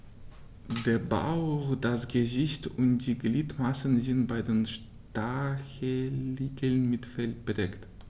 Der Bauch, das Gesicht und die Gliedmaßen sind bei den Stacheligeln mit Fell bedeckt.